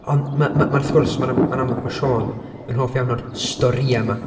ond ma- ma', wrth gwrs, ma 'na, ma'n amlwg bo' Siôn yn hoff iawn o'r storîau 'ma.